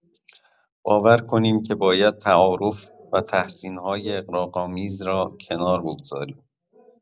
باور کنیم که باید تعارف و تحسین‌های اغراق‌آمیز را کنار بگذاریم.